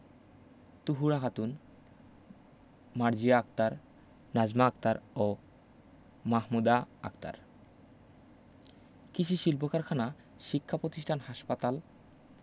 তুহুরা খাতুন মার্জিয়া আক্তার নাজমা আক্তার ও মাহমুদা আক্তার কিষি শিল্পকারখানা শিক্ষাপ্রতিষ্ঠান হাসপাতাল